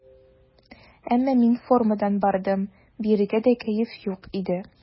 Әмма мин формадан бардым, биергә дә кәеф юк иде.